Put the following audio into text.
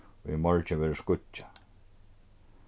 í morgin verður skýggjað